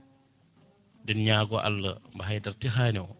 eɗen ñaago Allah mo haydara tehani o